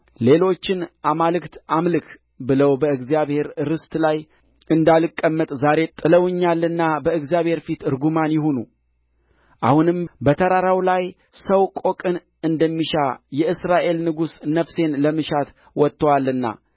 ሌሎችን አማልክት አምልክ ብለው በእግዚአብሔር ርስት ላይ እንዳልቀመጥ ዛሬ ጥለውኛልና በእግዚአብሔር ፊት ርጉማን ይሁኑ አሁንም በተራራው ላይ ሰው ቆቅን እንደሚሻ የእስራኤል ንጉሥ ነፍሴን ለመሻት ወጥቶአልና